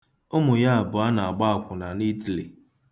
Ụmụ ya abụọ na-agba akwụna na Ịtalị.